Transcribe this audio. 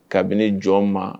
Kabini jɔn ma